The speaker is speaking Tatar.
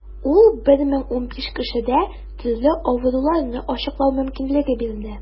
Ул 1015 кешедә төрле авыруларны ачыклау мөмкинлеге бирде.